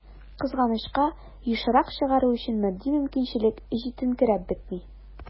Кызганычка, ешрак чыгару өчен матди мөмкинчелек җитенкерәп бетми.